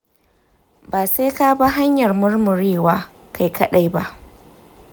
ba sai ka bi hanyar murmurewa kai kaɗai ba.